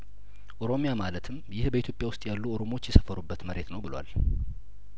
ኦሮሚያ ማለትም ይህ በኢትዮጵያ ውስጥ ያሉ ኦሮሞዎች የሰፈሩበት መሬት ነው ብሏል